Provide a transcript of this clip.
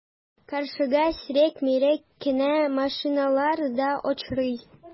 Каршыга сирәк-мирәк кенә машиналар да очрый.